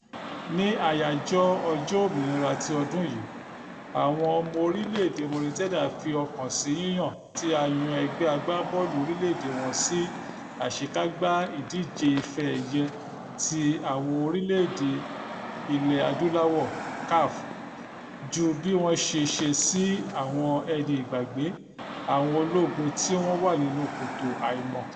Ní àyájọ́ ọjọ́ òmìnira ti ọdún yìí, àwọn ọmọ orílẹ̀-èdè Mauritania fi ọkàn sí yíyàn tí a yan ẹgbẹ́ agbábọ́ọ̀lù orílẹ̀-èdè wọn sí àṣekágbá ìdíje Ife-ẹ̀yẹ ti àwọn orílẹ̀-èdè Ilẹ̀-Adúláwọ̀ (CAF) ju bí wọ́n ṣe ṣe sí àwọn ẹni ìgbàgbé, àwọn ológun tí wọ́n wà nínú kòtò àìmọ̀ ...